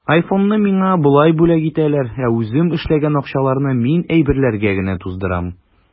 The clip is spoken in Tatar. Айфонны миңа болай бүләк итәләр, ә үзем эшләгән акчаларны мин әйберләргә генә туздырам.